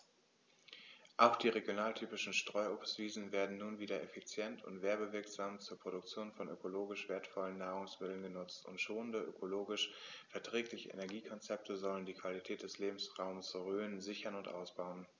Auch die regionaltypischen Streuobstwiesen werden nun wieder effizient und werbewirksam zur Produktion von ökologisch wertvollen Nahrungsmitteln genutzt, und schonende, ökologisch verträgliche Energiekonzepte sollen die Qualität des Lebensraumes Rhön sichern und ausbauen.